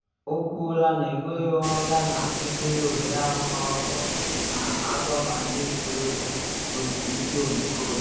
O kwuola na enweghị ọrụ yana enweghị ohere agụmakwụkwọ na adọba ndị ntorobịa n’otu ndị omekome.